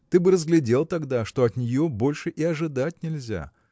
Ты бы разглядел тогда, что от нее больше и ожидать нельзя.